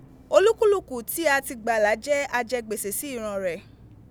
Olukuluku ti a ti gbala je ajẹgbese si iran re.